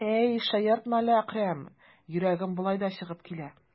Әй, шаяртма әле, Әкрәм, йөрәгем болай да чыгып килә.